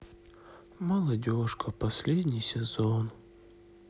молодежка последний сезон